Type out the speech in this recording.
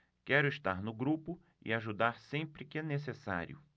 quero estar no grupo e ajudar sempre que necessário